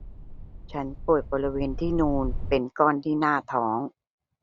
ฉันปวดบริเวณที่นูนเป็นก้อนที่หน้าท้อง